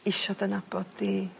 isio dy nabod di